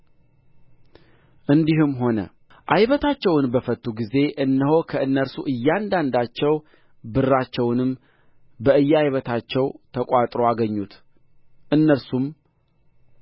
እንዲህም ሆነ ዓይበታቸውን በፈቱ ጊዜ እነሆ ከእነርሱ እያንዳንዳቸው ብራቸውን በእየዓይበታቸው ተቋጥሮ አገኙት እነርሱም